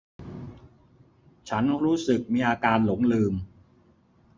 ฉันรู้สึกมีอาการหลงลืม